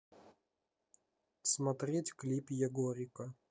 смотреть клип егорика